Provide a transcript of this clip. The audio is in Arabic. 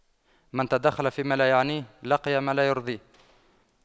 من تَدَخَّلَ فيما لا يعنيه لقي ما لا يرضيه